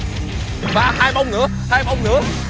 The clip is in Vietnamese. ba hai bông nữa hai bông nữa